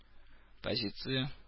Позиция